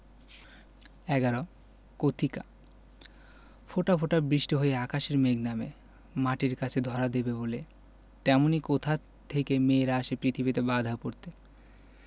১১ কথিকা ফোঁটা ফোঁটা বৃষ্টি হয়ে আকাশের মেঘ নামে মাটির কাছে ধরা দেবে বলে তেমনি কোথা থেকে মেয়েরা আসে পৃথিবীতে বাঁধা পড়তে